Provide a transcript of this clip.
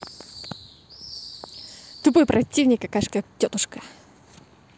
тупой противник какашка тетушка